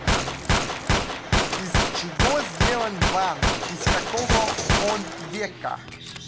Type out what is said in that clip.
из чего сделан ван из какого он века